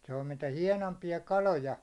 se on mitä hienoimpia kaloja